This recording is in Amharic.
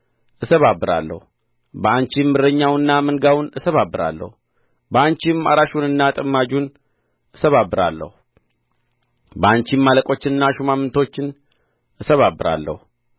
እሰባብራለሁ በአንቺም እረኛውንና መንጋውን እሰባብራለሁ በአንቺም አራሹንና ጥማጁን እሰባብራለሁ በአንቺም አለቆችንና ሹማምቶችን አሰባብራለሁ